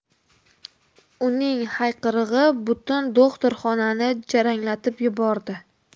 uning hayqirig'i butun do'xtirxonani jaranglatib yubordi